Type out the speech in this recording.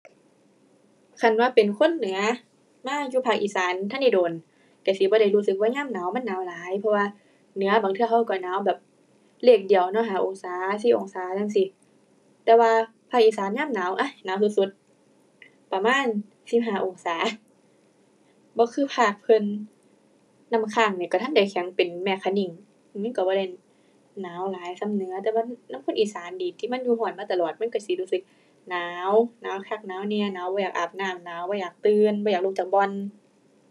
คันว่าเป็นคนเหนือมาอยู่ภาคอีสานทันได้โดนก็สิบ่ได้รู้สึกว่ายามหนาว มันหนาวหลาย เพราะว่าเหนือบางเทื่อเขาก็หนาวแบบเลขเดียวเนาะ ห้าองศา สี่องศาจั่งซี้ แต่ว่าภาคอีสานยามหนาว หนาวสุดสุดประมาณสิบห้าองศา บ่คือภาคเพิ่น น้ำค้างนี้ก็ทันได้แข็งเป็นแม่คะนิ้ง มันก็บ่ได้หนาวหลายส่ำเหนือ แต่ว่านำคนอีสานนี้ที่มันอยู่ก็มาตลอดมันก็สิรู้สึกหนาว หนาวคักหนาวแน่ หนาวบ่อยากอาบน้ำ หนาวบ่อยากตื่น บ่อยากลุกจากบ่อน